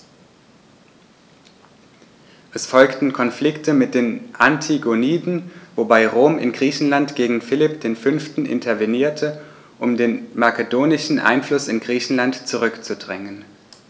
Es folgten Konflikte mit den Antigoniden, wobei Rom in Griechenland gegen Philipp V. intervenierte, um den makedonischen Einfluss in Griechenland zurückzudrängen.